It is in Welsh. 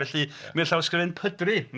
Felly mi oedd llawysgrifau'n pydru.